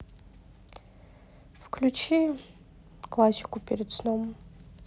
включи классику перед сном